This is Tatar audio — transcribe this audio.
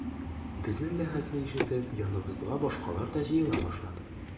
Безнең бәхәсне ишетеп яныбызга башкалар да җыела башлады.